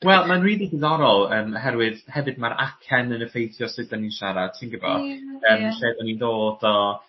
Wel ma'n rili diddorol yym oherwydd hefyd ma'r acen yn effeithio sut 'dan ni'n siarad ti'n gwbo. Ie ie. Yym lle 'dyn ni'n dod o